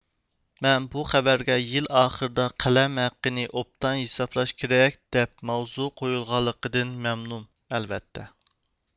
مەن بۇ خەۋەرگە يىل ئاخىرىدا قەلەم ھەققىنى ئوبدان ھېسابلاش كېرەك دەپ ماۋزۇ قويۇلغانلىقىدىن مەمنۇن ئەلۋەتتە